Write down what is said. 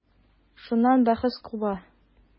Шуннан бәхәс куба.